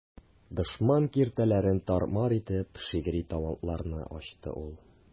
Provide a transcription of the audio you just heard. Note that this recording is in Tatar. Дошман киртәләрен тар-мар итеп, шигъри талантларны ачты ул.